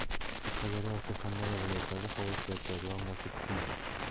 qashqadaryo va surxondaryo viloyatlarida havo o'zgarib turadi yog'ingarchilik kutilmaydi